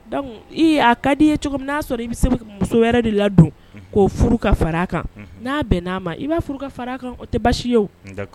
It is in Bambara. Donc i a ka di ye cogo min n'a sɔrɔ i bɛ se muso wɛrɛ de ladon; Unhun; Ko furu ka fara a kan; Unhun; N'a bɛn n'a ma, i b'a furu ka fara kan o tɛ baasi ye; Un, d'accord .